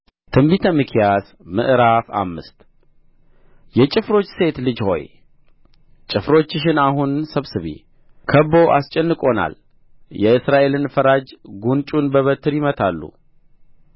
ትንቢተ ሚክያስ ምዕራፍ አምስት የጭፍሮች ሴት ልጅ ሆይ ጭፍሮችሽን አሁን ሰብስቢ ከብቦ አስጨንቆናል የእስራኤልን ፈራጅ ጕንጩን በበትር ይመታሉ